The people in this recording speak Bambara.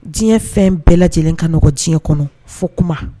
Diɲɛ fɛn bɛɛ lajɛlen ka nɔgɔn diɲɛ kɔnɔ fo kuma